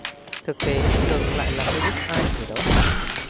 thực tế thường lại là facebook ai người đó đẹp